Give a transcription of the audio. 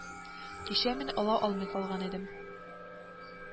Кичә мин ала алмый калган идем